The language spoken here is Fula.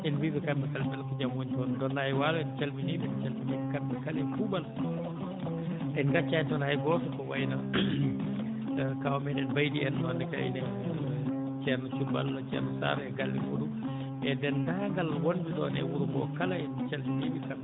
en mbiyii ɓe kamɓe kala mbele ko jam woni toon Donna e Waalo en calminii ɓe kamɓe kala e kuuɓal en ngaccaani toon hay gooto ko wayi no kaawu meɗen Baydy en noonne kayne ceerno cuballo ceerno Sara e galle muɗum e denndaangal won ɓe e wuro ngoo kala en calminii ɓe